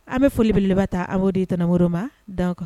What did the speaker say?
An bɛ folieleba ta an tanɛnɛnmo ma dan kan